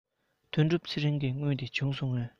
དོན གྲུབ ཚེ རིང གི དངུལ དེ བྱུང སོང ངས